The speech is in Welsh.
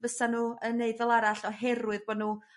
fysan nhw yn neud fel arall oherwydd bo' nhw